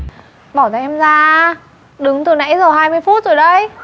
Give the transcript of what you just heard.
bỏ tay em ra đứng từ nãy giờ hai mươi phút rồi đấy